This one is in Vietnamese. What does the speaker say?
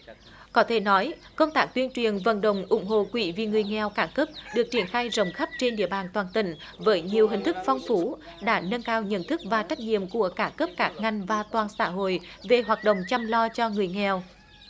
có thể nói công tác tuyên truyền vận động ủng hộ quỹ vì người nghèo các cấp được triển khai rộng khắp trên địa bàn toàn tỉnh với nhiều hình thức phong phú đã nâng cao nhận thức và trách nhiệm của các cấp các ngành và toàn xã hội về hoạt động chăm lo cho người nghèo